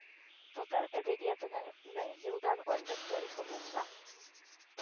Татар әдәбиятының мең елдан артык тарихы булса